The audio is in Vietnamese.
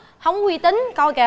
không có uy tín coi kìa